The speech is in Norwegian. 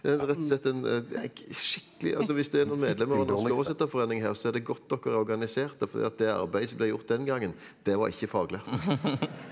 det er rett og slett en skikkelig altså hvis det er noen medlemmer av Norsk oversetterforening her så er det godt dere er organiserte fordi at det arbeidet som ble gjort den gangen, det var ikke faglærte.